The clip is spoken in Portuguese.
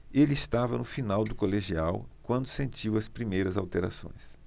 ele estava no final do colegial quando sentiu as primeiras alterações